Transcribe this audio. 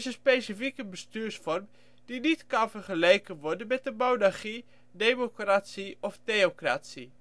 specifieke bestuursvorm, die niet kan vergeleken worden met een monarchie, democratie of theocratie